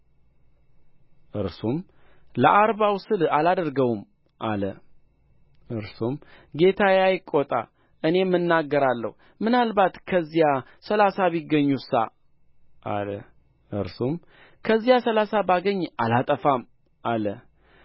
እርሱም ለአርባው ስል አላደርገውም አለ እርሱም ጌታዬ አይቆጣ እኔም እናገራለሁ ምናልባት ከዚያ ሠላሳ ቢገኙሳ አለ እርሱም ከዚያ ሰላሳ ባገኝ አላጠፋም አለ